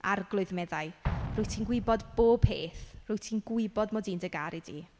Arglwydd, meddai rwyt ti'n gwybod popeth. Rwyt ti'n gwybod mod i'n dy garu di.